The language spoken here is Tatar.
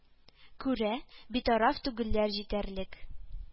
Күрә, битараф түгелләр җитәрлек